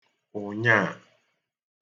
ụ̀nyaà